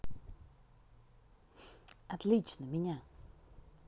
отлично меня